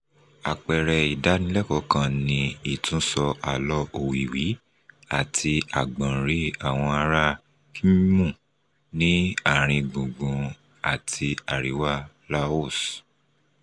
Àpẹẹrẹ ìdánilẹ́kọ̀ọ́ kan ni ìtúnsọ àlọ́ Òwìwí àti Àgbọ̀nrín àwọn aráa Kmhmu ní àárín gbùngbùn àti àríwá Laos.